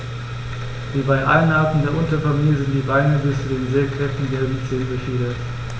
Wie bei allen Arten der Unterfamilie sind die Beine bis zu den sehr kräftigen gelben Zehen befiedert.